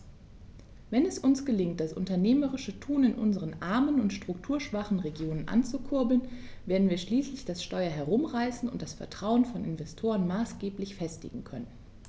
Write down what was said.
Wenn es uns gelingt, das unternehmerische Tun in unseren armen und strukturschwachen Regionen anzukurbeln, werden wir schließlich das Steuer herumreißen und das Vertrauen von Investoren maßgeblich festigen können.